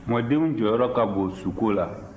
mɔdenw jɔyɔrɔ ka bon suko la